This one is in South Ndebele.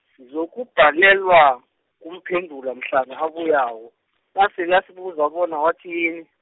zokubhalelwa kumphendula mhlana abuyako, nasele asibuza bona wathini.